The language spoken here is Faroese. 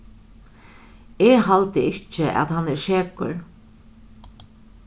eg haldi ikki at hann er sekur